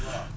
waaw